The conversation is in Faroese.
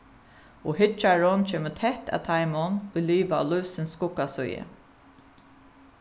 og hyggjarin kemur tætt at teimum ið liva á lívsins skuggasíðu